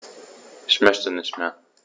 Ich möchte nicht mehr.